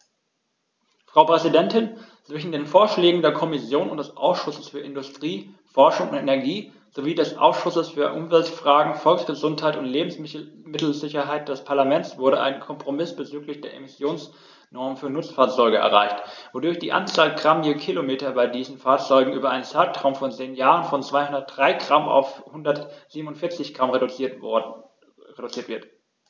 Frau Präsidentin, zwischen den Vorschlägen der Kommission und des Ausschusses für Industrie, Forschung und Energie sowie des Ausschusses für Umweltfragen, Volksgesundheit und Lebensmittelsicherheit des Parlaments wurde ein Kompromiss bezüglich der Emissionsnormen für Nutzfahrzeuge erreicht, wodurch die Anzahl Gramm je Kilometer bei diesen Fahrzeugen über einen Zeitraum von zehn Jahren von 203 g auf 147 g reduziert wird.